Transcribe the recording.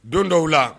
Don dɔw la